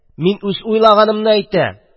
Мин үз уйлаганымны әйтәм.